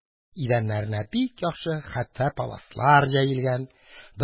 Идәннәренә бик яхшы хәтфә паласлар җәелгән.